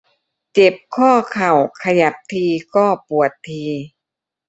เจ็บข้อเข่าขยับทีก็ปวดที